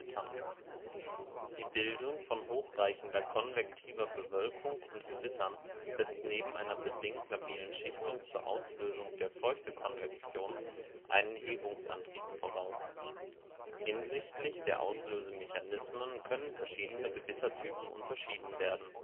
Bildung von hochreichender konvektiver Bewölkung und Gewittern setzt neben einer bedingt labilen Schichtung zur Auslösung der Feuchtekonvektion einen Hebungsantrieb voraus. Hinsichtlich der Auslösemechanismen können verschiedene Gewittertypen unterschieden werden